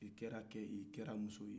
a kɛra cɛ ye a kɛra muso ye